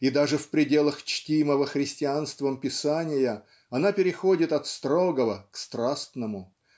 И даже в пределах чтимого христианством Писания она переходит от строгого к страстному